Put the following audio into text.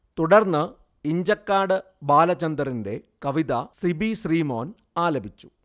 തുടർന്ന് ഇഞ്ചക്കാട് ബാലചന്ദറിന്റെ കവിത സിബി ശ്രീമോൻ ആലപിച്ചു